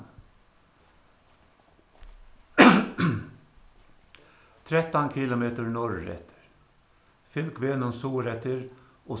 trettan kilometur norðureftir fylg vegnum suðureftir